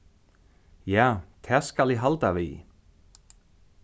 ja tað skal eg halda við